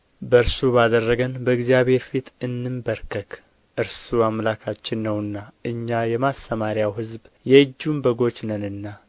በእርሱ ባደረገን በእግዚአብሔር ፊት እንበርከክ እርሱ አምላካችን ነውና እኛ የማሰማርያው ሕዝብ የእጁም በጎች ነንና